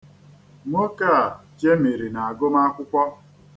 Nwoke a jemiri n'agụmakwụkwọ.